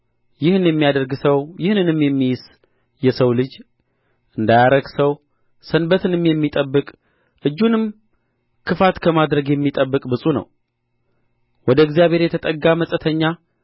ይህን የሚያደርግ ሰው ይህንንም የሚይዝ የሰው ልጅ እንዳያረክሰው ሰንበትንም የሚጠብቅ እጁንም ክፋት ከማድረግ የሚጠብቅ ብፁዕ ነው ወደ እግዚአብሔርም የተጠጋ መጻተኛ